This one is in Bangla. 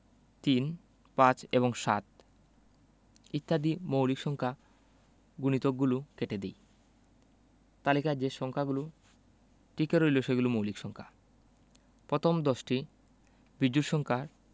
৩ ৫ এবং ৭ ইত্যাদি মৌলিক সংখ্যা গুণিতকগুলো কেটে দিই তালিকায় যে সংখ্যাগুলো টিকে রইল সেগুলো মৌলিক সংখ্যা প্রথম দশটি বিজোড় সংখ্যার